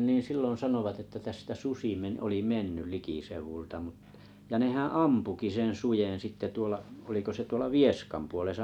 niin silloin sanoivat että tästä susi - oli mennyt likiseudulta mutta ja nehän ampuikin sen suden sitten tuolla oliko se tuolla Vieskan puolessa